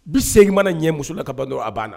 Bi segin mana na ɲɛ musola ka ban don a banna na